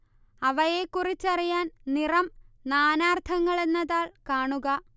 അവയെക്കുറിച്ചറിയാൻ നിറം നാനാർത്ഥങ്ങൾ എന്ന താൾ കാണുക